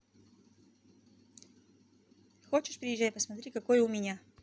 хочешь приезжай посмотри какой у меня